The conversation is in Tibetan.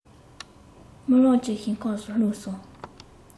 རྨི ལམ གྱི ཞིང ཁམས སུ ལྷུང སོང